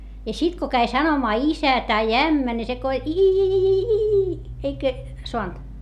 ja sitten kun kävi sanomaan isä tai ämmä niin se kun ii eikä saanut